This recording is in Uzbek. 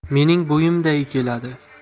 mening bo'yimday keladi